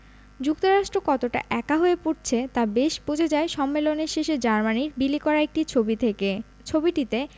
যুক্তরাষ্ট্র কতটা একা হয়ে পড়ছে তা বেশ বোঝা যায় সম্মেলন শেষে জার্মানির বিলি করা একটি ছবি থেকে ছবিটিতে